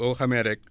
boo xamee rekk